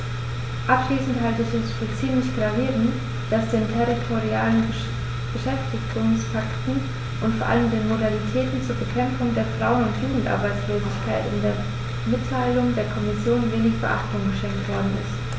Abschließend halte ich es für ziemlich gravierend, dass den territorialen Beschäftigungspakten und vor allem den Modalitäten zur Bekämpfung der Frauen- und Jugendarbeitslosigkeit in der Mitteilung der Kommission wenig Beachtung geschenkt worden ist.